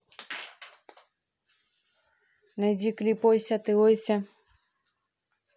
найди клип ойся ты ойся